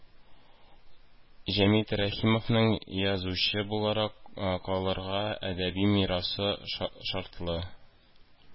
Җәмит Рәхимовның язучы буларак калдырган әдәби мирасы шартлы